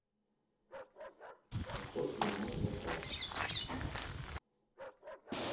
готов ли мой заказ